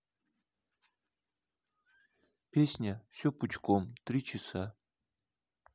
песня все пучком три часа